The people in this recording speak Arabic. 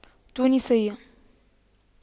تونسية